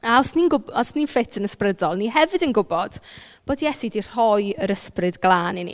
A os ni'n gwb-... os ni'n ffit yn ysbrydol ni hefyd yn gwybod bod Iesu 'di rhoi yr ysbryd glân i ni.